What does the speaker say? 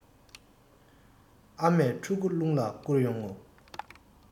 ཨ མས ཕྲུ གུ རླུང ལ བསྐུར ཡོང ངོ